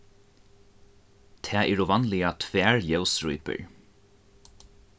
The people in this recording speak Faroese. tað eru vanliga tvær ljósrípur